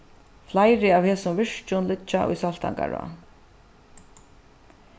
fleiri av hesum virkjum liggja í saltangará